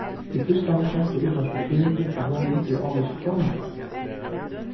í fyrstani keypti útvarpið tíðindini frá honum fyri ávíst krónutal